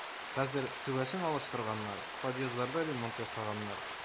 Хәзер түбәсен алыштырганнар, подъездларда ремонт ясаганнар.